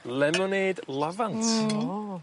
Lemonêd lafant. Hmm. O!